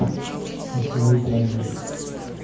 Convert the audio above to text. остановить радио